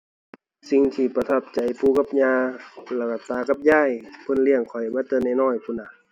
สิ่งที่ประทับใจปู่กับย่าแล้วก็ตากับยาย เพิ่นเลี้ยงข้อยมาแต่น้อยน้อยพู้นน่ะ